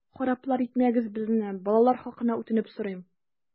Хараплар итмәгез безне, балалар хакына үтенеп сорыйм!